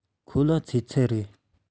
ཁོ ལ ཚེ ཚད རེད